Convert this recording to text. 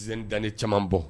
Ze dan ni caman bɔ